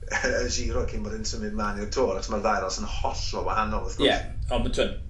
y Giro cyn bod e'n symud mlan i'r Tour achos ma'r ddau ras yn hollol wahanol w'th gwrs. Ie on' ma' t'wod